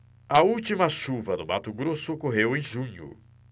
a última chuva no mato grosso ocorreu em junho